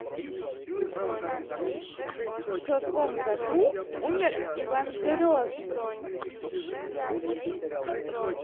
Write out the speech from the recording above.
в каком году умер иван грозный